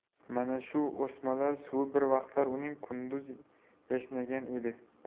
mana shu o'smalar suvi bir vaqtlar uning qunduz yashnagan edi